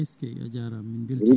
eskey a jarama min beltima